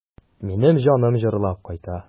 Минем җаным җырлап кайта.